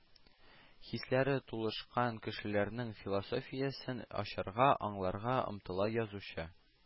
Хисләре тулышкан кешеләрнең философиясен ачарга, аңларга омтыла язучы